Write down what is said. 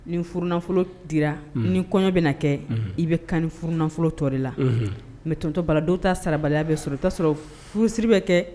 Ni ffolo di ni kɔɲɔ bɛ na kɛ i bɛ kan f nafolo t la mɛ tontɔ bala dɔw ta sarabaliya bɛ sɔrɔ i'a sɔrɔ furusiri bɛ kɛ